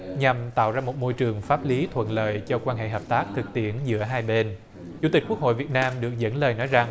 nhằm tạo ra một môi trường pháp lý thuận lợi cho quan hệ hợp tác thực tiễn giữa hai bên chủ tịch quốc hội việt nam được dẫn lời nói rằng